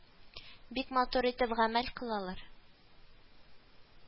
Бик матур итеп гамәл кылалар